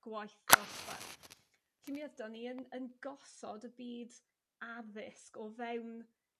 Gwaith dosbarth. 'Lly mi ydan ni yn yn gosod y byd addysg o fewn